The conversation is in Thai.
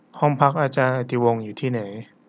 ห้องพักอาจารย์อติวงศ์อยู่ที่ไหน